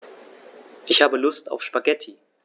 Ich habe Lust auf Spaghetti.